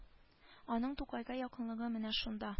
Аның тукайга якынлыгы менә шунда